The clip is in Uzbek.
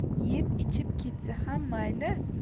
yeb ichib ketsa ham mayli